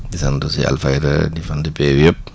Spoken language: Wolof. di sant aussi Alfayda di sant * yëpp